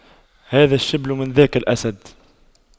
هذا الشبل من ذاك الأسد